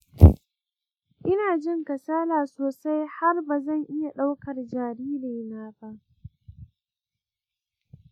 ina jin kasala sosai har ba zan iya ɗaukar jariri na ba.